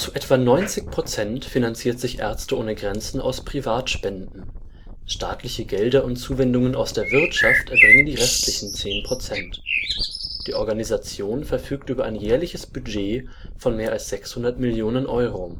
etwa 90 % finanziert sich Ärzte ohne Grenzen aus Privatspenden; staatliche Gelder und Zuwendungen aus der Wirtschaft erbringen die restlichen 10 %. Die Organisation verfügt über ein jährliches Budget von mehr als 600 Millionen Euro